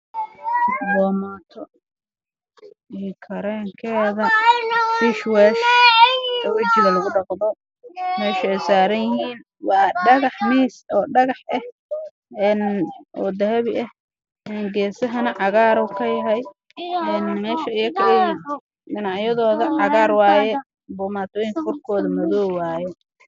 Meeshaan waxaa ka muuqdo boomaato iyo kareen keeda iyo face wash